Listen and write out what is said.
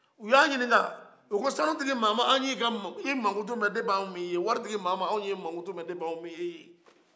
u ye a ɲinika u ko sanu tigi mama an ye i makutu mɛ depi ni an ma e ye wari tigi mama an ye e makutu mɛ depi an ma e ye